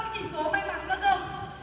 chỉ số may mắn nữa cơ